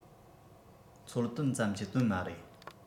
འཚོལ དོན ཙམ ཀྱི དོན མ རེད